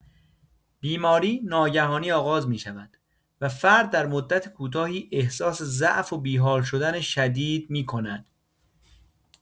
بیماری ناگهانی آغاز می‌شود و فرد در مدت کوتاهی احساس ضعف و بی‌حال شدن شدید می‌کند.